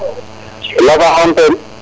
lasaxong ten